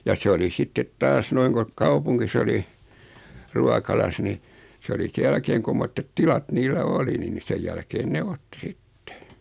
ja se oli sitten taas noin kun kaupungissa oli ruokalassa niin se oli sen jälkeen kummoiset tilat niillä oli niin niin sen jälkeen ne otti sitten